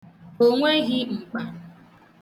O nweghi mkpa.